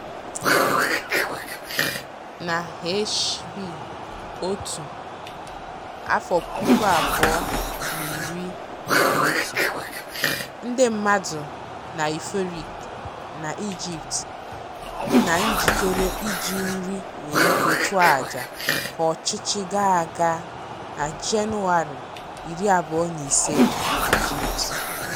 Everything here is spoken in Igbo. @HB_1_2011: ndị mmadụ na-euphoric na Ijipt, na njikere iji nri na ego chụọ àjà ka ọchịchị ga-aga #jan25 #Egypt.